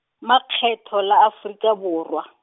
Makgetho la Afrika Borwa.